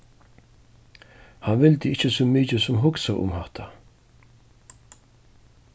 hann vildi ikki so mikið sum hugsa um hatta